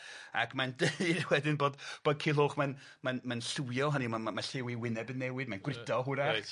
Ag mae'n deud wedyn bod bod Culhwch mae'n mae'n mae'n lliwio hynny yw ma' ma' lliw 'i wyneb yn newid, mae'n gwrido hwrach. Reit.